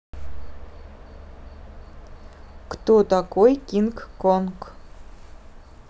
кто такой кинг конг